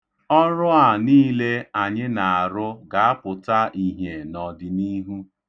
Ọrụ a niile anyị na-arụ ga-apụta ihie n'ọdịniihu.